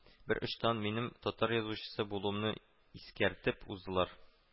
Бер очтан минем татар язучысы булуымны искәртеп уздылар